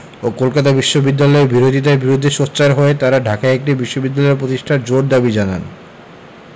এবং কলকাতা বিশ্ববিদ্যালয়ের বিরোধিতার বিরুদ্ধে সোচ্চার হয়ে তারা ঢাকায় একটি বিশ্ববিদ্যালয় পতিষ্ঠার জোর দাবি জানান